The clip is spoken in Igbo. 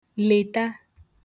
lèta